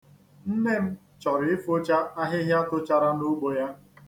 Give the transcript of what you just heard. Nne m chọrọ ifocha ahịhịa tochara n'ugbo ya.